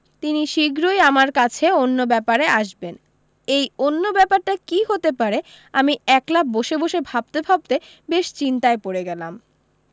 তিনি শীঘ্রই আমার কাছে অন্য ব্যাপারে আসবেন এই অন্য ব্যাপারটা কী হতে পারে আমি একলা বসে বসে ভাবতে ভাবতে বেশ চিন্তায় পড়ে গেলাম